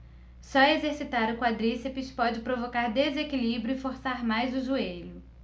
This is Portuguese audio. só exercitar o quadríceps pode provocar desequilíbrio e forçar mais o joelho